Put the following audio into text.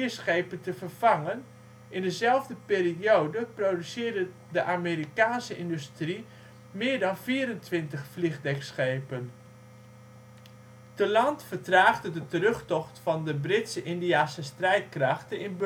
schepen te vervangen, in dezelfde periode produceerde de Amerikaanse industrie meer dan 24 vliegdekschepen! Salomonseilanden Te land vertraagde de terugtocht van de Brits/Indiase strijdkrachten in